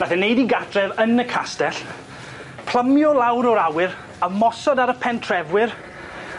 Nath e neud 'i gartref yn y castell, plymio lawr o'r awyr a mosod ar y pentrefwyr